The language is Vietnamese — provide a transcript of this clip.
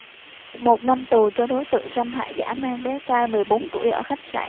một năm tù cho đối tượng xâm hại dã man bé trai mười bốn tuổi ở khách sạn